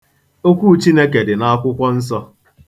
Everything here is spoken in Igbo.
Okwu Chineke dị n'Akwụkwọ Nsọ.